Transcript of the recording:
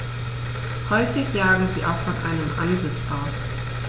Häufig jagen sie auch von einem Ansitz aus.